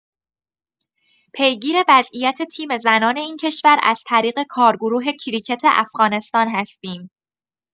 پیگیر وضعیت تیم زنان این کشور از طریق کارگروه کریکت افغانستان هستیم.